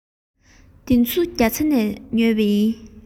འདི ཚོ ནི རྒྱ ཚ ནས ཉོས པ ཡིན